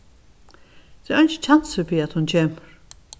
tað er eingin kjansur fyri at hon kemur